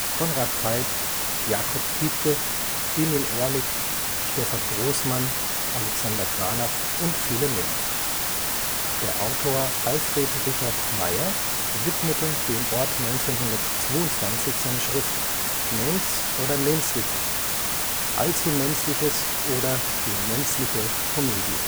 Conrad Veidt, Jakob Tiedtke, Emil Orlik, Stefan Großmann, Alexander Granach und viele mehr. Der Autor Alfred Richard Meyer widmete dem Ort 1922 seine Schrift Maenz oder Maenzliches. Allzumaenzliches oder Die maenzliche Komödie